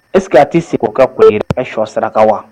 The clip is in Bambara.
Es k'a tɛ segu ka ko ye shɔ sara wa